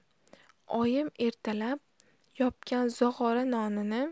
oyim ertalab yopgan zog'ora nonini